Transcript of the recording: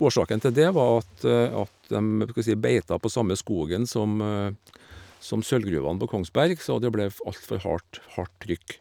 Årsaken til det var at at dem, du kan si, beita på samme skogen som som sølvgruvene på Kongsberg, så det ble f altfor hardt hardt trykk.